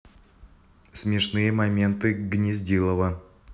смешные моменты гнездилова